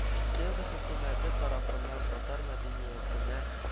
Пенза хөкүмәте тарафыннан татар мәдәниятенә